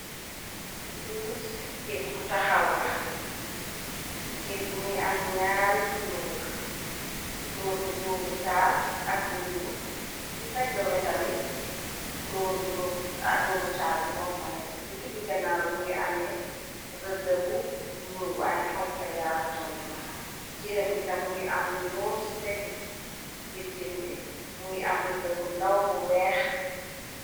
Lii sikket bu taxaw la sikket bi mu ngi am ñaari kloor cloor bu doomi taal. Ak bu ñuul ci pegg wetami cloor bu doomu taal. Bimoo fa nekka ci liggi ganaaw i mu ngi amee rëdda bu ñuul waayen xawta yaatunoon jëm bita. Mu ngi am lu ñuul ci pegg bi jën bi mu ngi am rëdda bu ndaw bu weex.